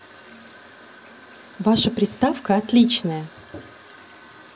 ваша приставка отличная